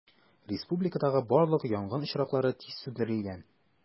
Республикадагы барлык янгын очраклары тиз сүндерелгән.